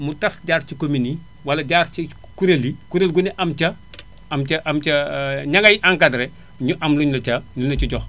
mu tas jaar ci communes yi wala jaar ci kuréel yi kuréel gu ne am ca am ca am ca ña ngay encadré ñu am luñu la ca luñu la ca jox